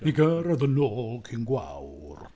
I gyrraedd yn ôl cyn gwawr.